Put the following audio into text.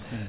eyyi